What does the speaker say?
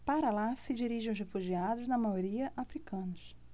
para lá se dirigem os refugiados na maioria hútus